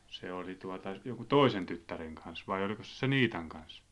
se oli tuota jonkun toisen tyttären kanssa vai olikos se sen Iitan kanssa